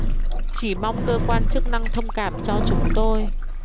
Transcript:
chỉ mong cơ quan chức năng thông cảm cho chúng tôi